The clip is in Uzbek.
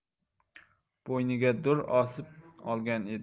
bo'yniga dur osib olgan edi